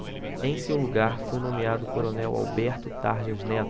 em seu lugar foi nomeado o coronel alberto tarjas neto